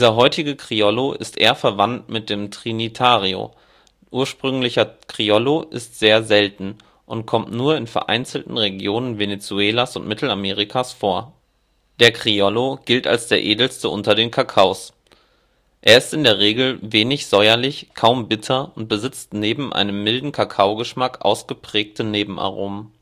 heutige Criollo ist eher verwandt mit dem Trinitario. Ursprünglicher Criollo ist sehr selten und kommt nur in vereinzelten Regionen Venezuelas und Mittelamerikas vor. Der Criollo gilt als der Edelste unter den Kakaos. Er ist in der Regel wenig säuerlich, kaum bitter und besitzt neben einem milden Kakaogeschmack ausgeprägte Nebenaromen